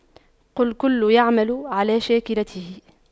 قُل كُلٌّ يَعمَلُ عَلَى شَاكِلَتِهِ